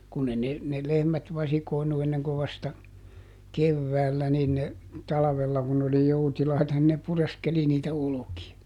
kun ei ne ne lehmät vasikoinut ennen kuin vasta keväällä niin ne talvella kun ne oli joutilaita niin ne pureskeli niitä olkia